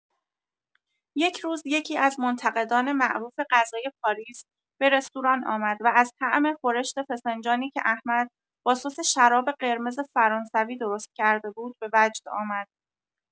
یک روز یکی‌از منتقدان معروف غذای پاریس به رستوران آمد و از طعم خورشت فسنجانی که احمد با سس شراب قرمز فرانسوی درست کرده بود، به وجد آمد.